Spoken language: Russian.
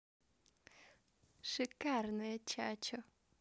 шикарное чачу